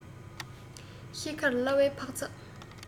ཤི ཁར གླ བའི འཕག ཚག